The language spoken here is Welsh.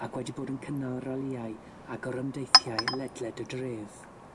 ac wedi bod yn cynnal o ralïau a gorymdeithiau ledled y dref.